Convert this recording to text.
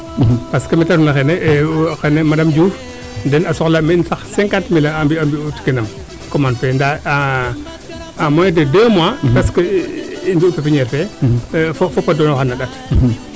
parce que neete refna xaye madame Diouf den a soxla meen sax cinquante mille :fa ambiyu a mbiyu tiganam commande fee ndaa a moin de deux mois parce que in mbiyu pepiniere fee to fopa donooxa na ndat